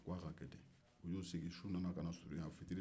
u y'u sigi su nana ka na surunya ka ko